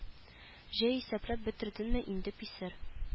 Җә исәпләп бетердеңме инде писер